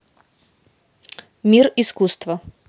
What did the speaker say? мир искусства